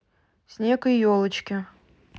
снег и елочки